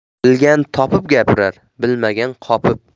bilgan topib gapirar bilmagan qopib